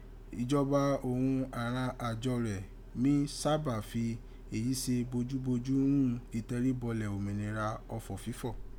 Ìjọba òghun àghan àjọ rẹ̀ mi sábà fi èyí ṣe bójúbójú ghún ìtẹríbọlẹ̀ òmìnira ọfọ̀ fífọ̀.